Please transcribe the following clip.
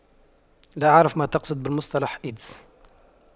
لا اعرف ما تقصد بالمصطلح ايدز